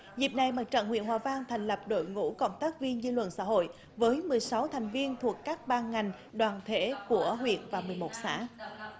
dịp này mặt trận huyện hòa vang thành lập đội ngũ cộng tác viên dư luận xã hội với mười sáu thành viên thuộc các ban ngành đoàn thể của huyện và mười một xã